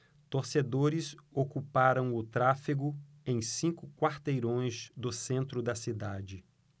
torcedores ocuparam o tráfego em cinco quarteirões do centro da cidade